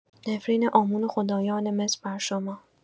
نفرین عامون و خدایان مصر بر شما